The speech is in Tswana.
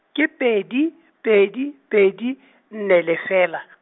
ke pedi, pedi pedi , nne lefela .